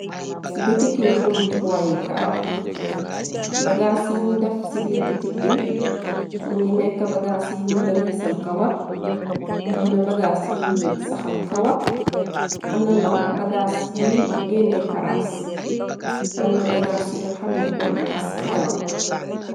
Bitikiñ jumtuwaayi karaw, bagaas yiñ def ci biir bitik bi, më ngi nekk bagaas yiy mëna liisal kawar, amna bagaas yuy saxal kawar, amna bagaas yuy genne karaas, amna bagaas yi nga xamne pur raxas kawar la.